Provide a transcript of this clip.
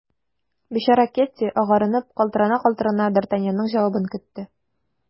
Бичара Кэтти, агарынып, калтырана-калтырана, д’Артаньянның җавабын көтте.